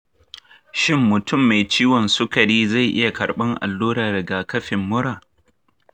shin mutum mai ciwon sukari zai iya karɓar allurar rigakafin mura?